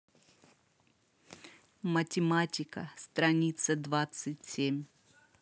математика страница двадцать семь